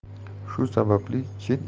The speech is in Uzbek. shu sababli chet